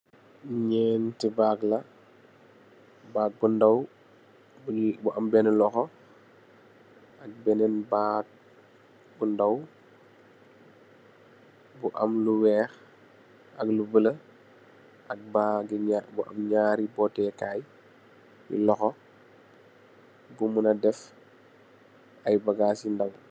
Nyente bagg la bagg bu ndaw bu am bene lohou ak benen bagg bu ndaw bu am lu weex ak lu bula ak bagg ge wer bu am nyari bote kaye lohou gu muna def aye bagass yu ndaw.